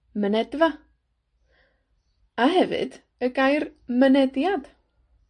mynedfa, a hefyd y gair mynediad.